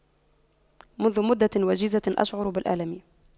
منذ مدة وجيزة أشعر بالألم